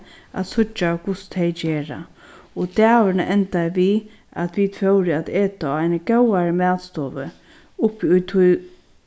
at síggja hvussu tey gera og dagurin endaði við at vit fóru at eta á eini góðari matstovu uppi í tí